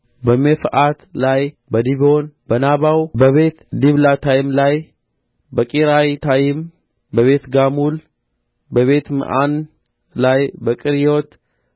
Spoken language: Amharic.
በሜፍዓት ላይ በዲቦን በናባው በቤት ዲብላታይም ላይ በቂርያታይም በቤትጋሙል በቤትምዖን ላይ በቂርዮት